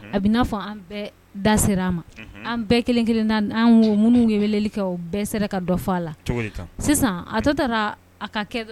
A b'i n'a fɔ an bɛɛ da sera a ma, unhun, an bɛɛ kelen kelen na, an wo minnu ye weeleli kɛ wo, bɛɛ se la ka dɔ fɔ a la, cogo di tan? Sisan, a tɔ tora a ka kɛ.